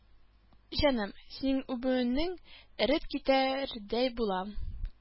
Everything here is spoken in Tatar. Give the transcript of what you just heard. Җаным, синең үбүеңнән эреп китәрдәй булам.